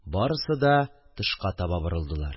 Барысы да тышка таба борылдылар